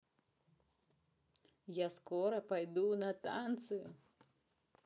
я скоро пойду на танцы